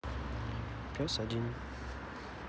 пес один